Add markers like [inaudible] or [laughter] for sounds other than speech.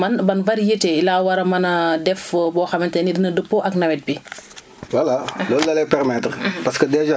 su ko defee béykat bi dina mën a waaj ba xamante ne man ban variété laa war a mën a def boo xamante ne dina dëppoo ak nawet bi [noise]